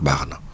baax na